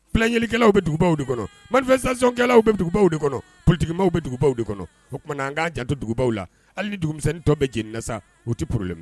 Plikɛlaw bɛ dugubaw de kɔnɔ 22 sanckɛlaw bɛ dugubaw de kɔnɔ ptigikibaw bɛ dugubaw de kɔnɔ o tumaumana an k'an janto dugubaw la hali ni dugumisɛntɔ bɛ jeni la sa u te porourme